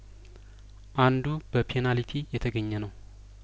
አንዱ በፔናልቲ የተገኘ ነው